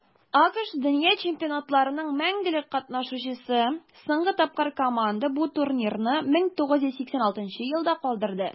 АКШ - дөнья чемпионатларының мәңгелек катнашучысы; соңгы тапкыр команда бу турнирны 1986 елда калдырды.